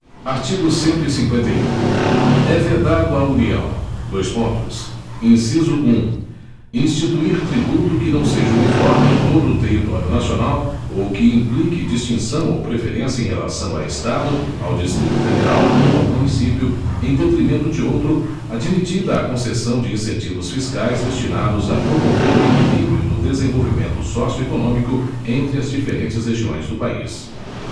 artigo cento e cinquenta e um é vedado à união dois pontos inciso um instituir tributo que não seja uniforme em todo o território nacional ou que implique distinção ou preferência em relação a estado ao distrito federal ou a município em detrimento de outro admitida a concessão de incentivos fiscais destinados a promover o equilíbrio do desenvolvimento sócio econômico entre as diferentes regiões do país